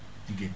jigéen